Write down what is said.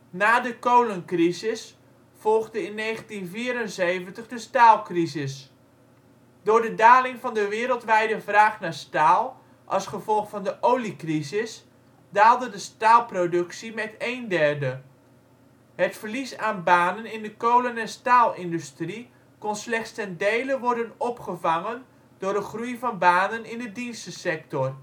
Na de kolencrisis volgde in 1974 de staalcrisis. Door de daling van de wereldwijde vraag naar staal, als gevolg van de oliecrisis, daalde de staalproductie met een derde. Het verlies aan banen in de kolen - en staalindustrie kon slechts ten dele worden opgevangen door een groei van banen in de dienstensector